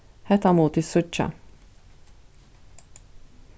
hetta mugu tit síggja